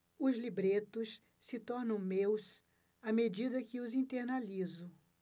os libretos se tornam meus à medida que os internalizo